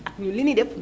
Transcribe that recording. ak ñun li ñuy def